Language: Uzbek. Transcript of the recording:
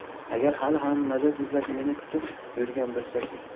agar hali ham najot izlab meni kutib yurgan bo'lsa chi